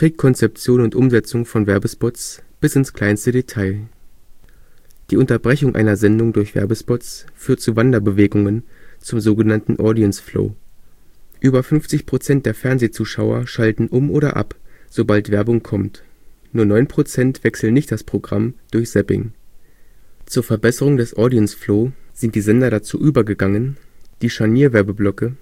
Konzeption und Umsetzung von Werbespots bis ins kleinste Detail. Die Unterbrechung einer Sendung durch Werbespots führt zu „ Wanderbewegungen “, zum sogenannten Audience Flow: über 50 % der Fernsehzuschauer schalten um oder ab, sobald Werbung kommt; nur 9 % wechseln nicht das Programm durch Zapping. Zur Verbesserung des Audience Flow sind die Sender dazu übergegangen, die Scharnierwerbeblöcke